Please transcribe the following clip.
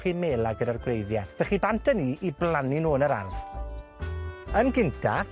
chi'n mela gyda'r gwreiddie. Felly bant â ni i blannu nw yn yr ardd. Yn gynta,